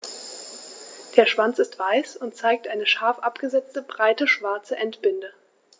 Der Schwanz ist weiß und zeigt eine scharf abgesetzte, breite schwarze Endbinde.